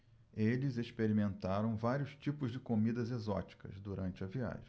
eles experimentaram vários tipos de comidas exóticas durante a viagem